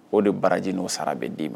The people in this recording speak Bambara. O de baraji n' o sara be d'i ma